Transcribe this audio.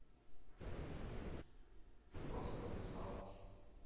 просто русалки